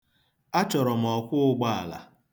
Achọrọ m ọkwọụgbaala.